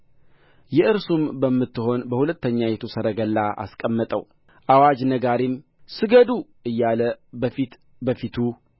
የእርሱም በምትሆን በሁለተኛይቱ ሰረገላ አስቀመጠው አዋጅ ነጋሪም ስገዱ እያለ በፊት በፊቱ